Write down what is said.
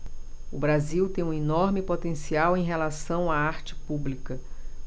o brasil tem um enorme potencial em relação à arte pública